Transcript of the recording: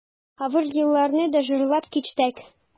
Авыр елларны да җырлап кичтек.